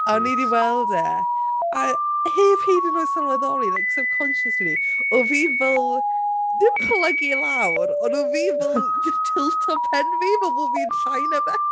A... mm ...o'n i 'di weld e a heb hyd yn oed sylweddoli like subconsciously oedd fi fel dim plygu lawr, ond o'n fi fel 'di tiltio pen fi fel bod fi'n llai na fe!